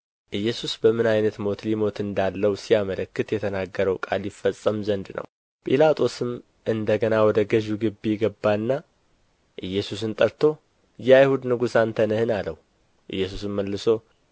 ኢየሱስ በምን ዓይነት ሞት ሊሞት እንዳለው ሲያመለክት የተናገረው ቃል ይፈጸም ዘንድ ነው ጲላጦስም እንደ ገና ወደ ገዡ ግቢ ገባና ኢየሱስን ጠርቶ የአይሁድ ንጉሥ አንተ ነህን አለው ኢየሱስም መልሶ